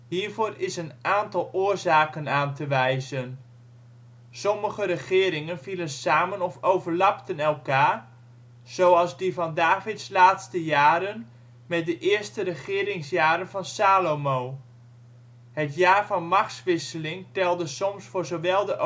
Hiervoor is een aantal oorzaken aan te wijzen: Sommige regeringen vielen samen of overlapten elkaar, zoals die van Davids laatste jaren met de eerste regeringsjaren van Salomo; Het jaar van machtswisseling telde soms voor zowel de overleden